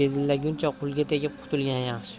qulga tegib qutulgan yaxshi